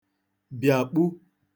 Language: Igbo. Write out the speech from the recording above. bịàkpu